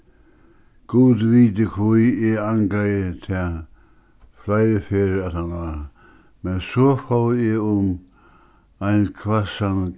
gud viti hví eg angraði tað fleiri ferðir aftaná men so fór eg um ein hvassan